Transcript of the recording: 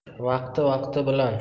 vaqti vaqti bilan